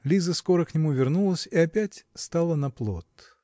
Лиза скоро к нему вернулась и опять стала на плот.